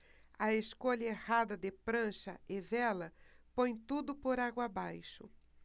a escolha errada de prancha e vela põe tudo por água abaixo